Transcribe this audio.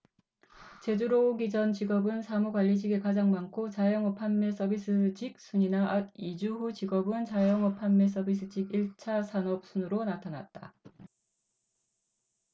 제주로 오기 전 직업은 사무 관리직이 가장 많고 자영업 판매 서비스직 순이나 이주 후 직업은 자영업 판매 서비스직 일 차 산업 순으로 나타났다